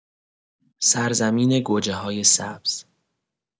سرزمین گوجه‌های سبز